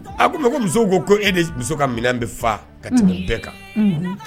Abulo n ko musow ko ko e de ni muso ka minɛn bɛ faa ka tɛmɛ bɛɛ kan